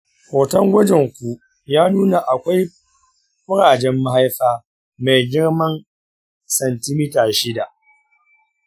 hoton gwajin ku ya nuna akwai ƙurajen mahaifa mai girman santimita shida.